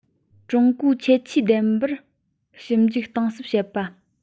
ཀྲུང གོའི ཁྱད ཆོས ལྡན པར ཞིབ འཇུག གཏིང ཟབ བྱེད པ